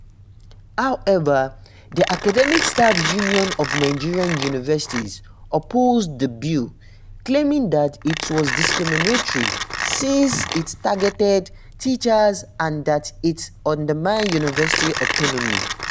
However, the Academic Staff Union of Nigerian Universities opposed the bill, claiming that it was discriminatory since it targeted teachers and that it undermined university autonomy.